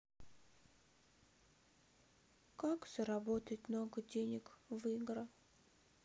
как заработать много денег в игра